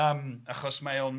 Yym achos mae o'n